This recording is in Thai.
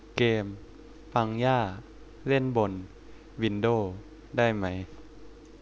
เกมปังย่าเล่นบนวินโด้ได้ไหม